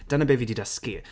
Dyna be fi 'di dysgu.